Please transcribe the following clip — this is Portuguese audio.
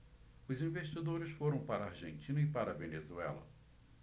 os investidores foram para a argentina e para a venezuela